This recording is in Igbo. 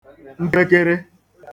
mpekere